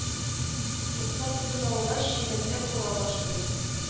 Туктап тын алгач, чиләкләп ора башлый